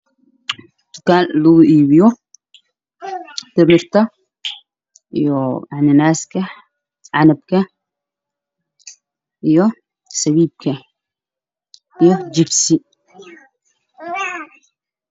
Dukaan lagu iibiyo timirta iyo cananaaska canabka iyo sabiibka iyo jibsi.